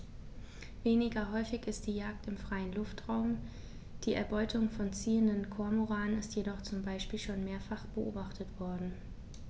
Weniger häufig ist die Jagd im freien Luftraum; die Erbeutung von ziehenden Kormoranen ist jedoch zum Beispiel schon mehrfach beobachtet worden.